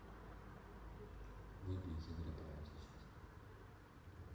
выйди из игры прямо сейчас